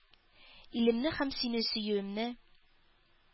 Илемне һәм сине сөюемне